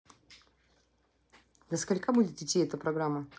до скольки будет идти эта программа